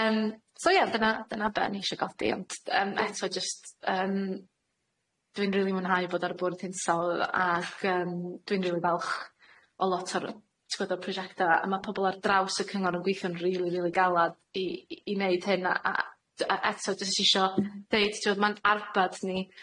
Yym so ie dyna dyna be' o'n i isio godi ond yym eto jyst, yym dwi'n rili mwynhau bod ar y bwrdd hinsawdd ag yym dwi'n rili falch o lot o'r t'gwod o'r prosiecta a ma' pobol ar draws y cyngor yn gweithio'n rili rili galad i i i neud hyn a a t- yy eto jyst isio deud t'wod ma'n arbad ni.